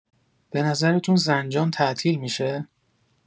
بنظرتون زنجان تعطیل می‌شه؟